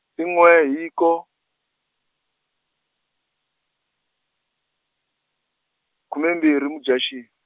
i n'we hiko, khume mbirhi Mudyaxihi.